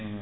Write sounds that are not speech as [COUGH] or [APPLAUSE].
[HESITATION] [HESITATION]